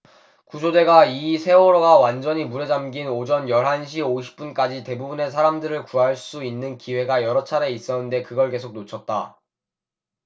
구조대가 이 세월호가 완전히 물에 잠긴 오전 열 한 시 오십 분까지 대부분의 사람들을 구할 수 있는 기회가 여러 차례 있었는데 그걸 계속 놓쳤다